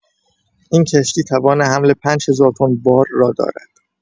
این کشتی توان حمل ۵ هزار تن بار را دارد.